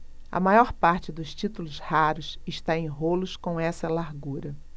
a maior parte dos títulos raros está em rolos com essa largura